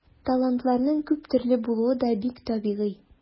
Талантларның күп төрле булуы да бик табигый.